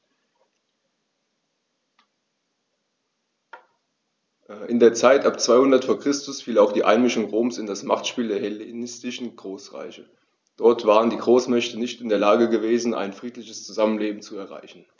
In die Zeit ab 200 v. Chr. fiel auch die Einmischung Roms in das Machtspiel der hellenistischen Großreiche: Dort waren die Großmächte nicht in der Lage gewesen, ein friedliches Zusammenleben zu erreichen.